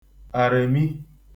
àrèmi